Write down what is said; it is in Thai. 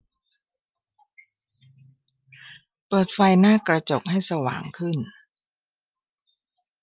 เปิดไฟหน้ากระจกให้สว่างขึ้น